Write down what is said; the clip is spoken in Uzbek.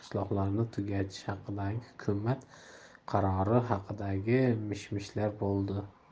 qishloqlarni tugatish haqidagi hukumat qarori haqidagi mishmishlar bo'ldi